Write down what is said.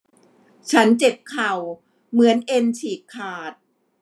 ฉันเจ็บเข่าเหมือนเอ็นฉีกขาด